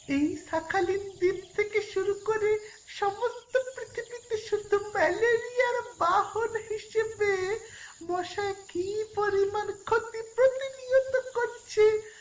এই শাখালিন দীপ থেকে শুরু করে সারা পৃথিবীতে শুধু ম্যালেরিয়ার বাহন হিসেবে মশা কি পরিমান ক্ষতি প্রতিনিয়ত করছে